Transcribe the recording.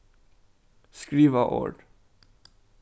skriva orð